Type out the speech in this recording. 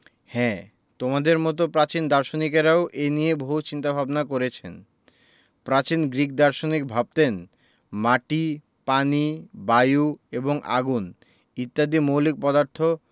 হ্যাঁ তোমাদের মতো প্রাচীন দার্শনিকেরাও এ নিয়ে বহু চিন্তা ভাবনা করেছেন প্রাচীন গ্রিক দার্শনিকেরা ভাবতেন মাটি পানি বায়ু এবং আগুন ইত্যাদি মৌলিক পদার্থ